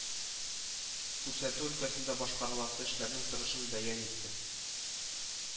Күрсәтү өлкәсендә башкарыласы эшләрнең торышын бәян итте